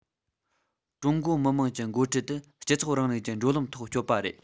ཀྲུང གོའི མི དམངས ཀྱི འགོ ཁྲིད དེ སྤྱི ཚོགས རིང ལུགས ཀྱི འགྲོ ལམ ཐོག བསྐྱོད པ རེད